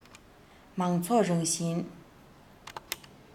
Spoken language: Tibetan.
མང ཚོགས རང བཞིན